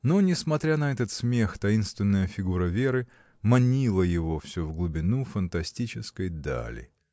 Но, несмотря на этот смех, таинственная фигура Веры манила его всё в глубину фантастической дали.